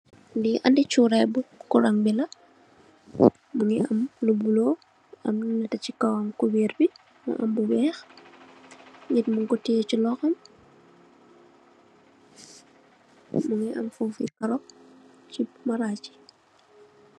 Lii andi churaay bu kurang bi la, mingi am lu bula, am lu nete si kawam, kubeer bi am bu weex, nit mung ko tiye si loxom, mu ngi am fuufu karo si maraaj bi.